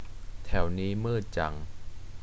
แถวนี้มืดจัง